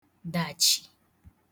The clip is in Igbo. dàchì